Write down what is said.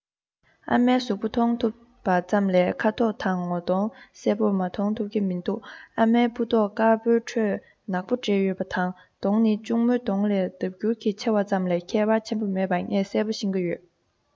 ཨ མའི གཟུགས པོ མཐོང ཐུབ པ ཙམ ལས ཁ དོག དང ངོ གདོང གསལ པོར མཐོང ཐུབ ཀྱི མི འདུག ཨ མའི སྤུ མདོག དཀར པོའི ཁྲོད ནག པོ འདྲེས ཡོད པ དང གདོང ནི གཅུང མོའི གདོང ལས ལྡབ འགྱུར གྱིས ཆེ བ ཙམ ལས ཁྱད པར ཆེན པོ མེད པ ངས གསལ པོར ཤེས ཀྱི ཡོད